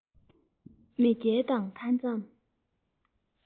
མེས རྒྱལ དང མཐའ མཚམས